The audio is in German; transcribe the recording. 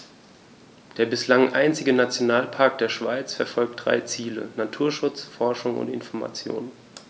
Der bislang einzige Nationalpark der Schweiz verfolgt drei Ziele: Naturschutz, Forschung und Information.